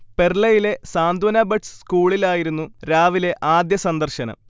പെർളയിലെ Santhwana buds സ്കൂളിലായിരുന്നു രാവിലെ ആദ്യ സന്ദർശനം